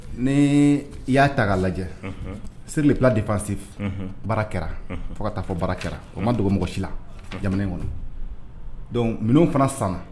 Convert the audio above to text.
Ni i y'a ta lajɛ seli tila de fasi baara kɛra fo ka taa fɔ baara kɛra o ma dɔgɔmɔgɔ si la jamana in kɔnɔ don minnu fana san